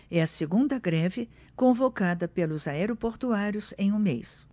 é a segunda greve convocada pelos aeroportuários em um mês